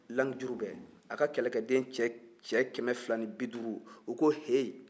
langi jurubɛ a ka kɛlɛkɛden cɛ kɛmɛ fila ni bi duuru u ko yehi